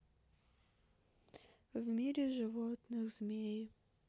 в мире животных змеи